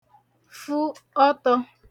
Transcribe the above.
fụ ọtọ̄